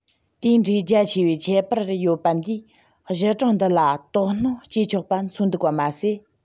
དེ འདྲའི རྒྱ ཆེ བའི ཁྱད པར ཡོད པ འདིས གཞི གྲངས འདི ལ དོགས སྣང སྐྱེ ཆོག པ མཚོན འདུག པ མ ཟད